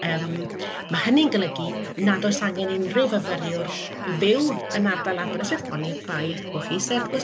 yym ma' hynny'n golygu nad oes angen unryw fyfyriwr fyw yn ardal Aberystwyth, oni bai bo' chi isie wrth gwrs,